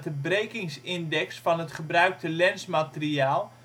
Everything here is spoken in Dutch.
brekingsindex van het gebruikte lensmateriaal